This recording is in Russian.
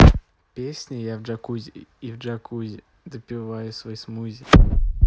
песня я в джакузи и джакузи допиваю свой смузи